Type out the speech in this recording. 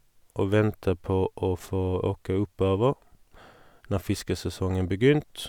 Og ventet på å få åke oppover når fiskesesongen begynt.